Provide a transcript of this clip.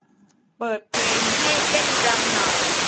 เปิดเพลงให้เต้นรำหน่อย